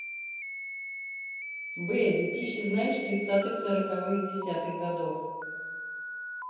baby пищи знаешь тридцатых сороковых десятых годов